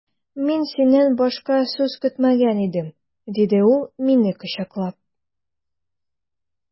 Мин синнән башка сүз көтмәгән идем, диде ул мине кочаклап.